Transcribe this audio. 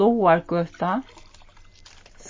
lágargøta